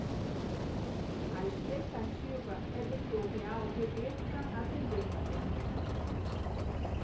a expectativa é de que o real reverta a tendência